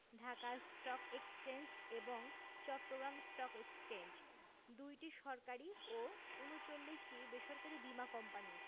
Dhaka stock exchange এবং Chattogram stock exchange ২টি সরকারি ও ৩৯টি বেসরকারি বীমা কোম্পানি